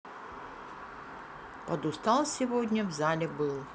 подустал сегодня в зале был